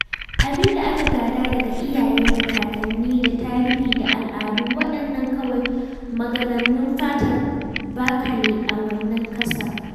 Abin da aka gada daga iyaye da kakanni da tarihi da al'adu, waɗannan kawai maganganun fatar baka ne a wannan ƙasa!